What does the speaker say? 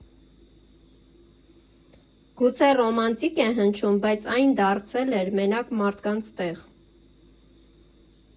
Գուցե ռոմանտիկ է հնչում, բայց այն դարձել էր մենակ մարդկանց տեղ։